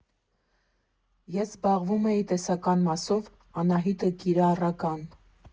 «Ես զբաղվում էի տեսական մասով, Անահիտը՝ կիրառական։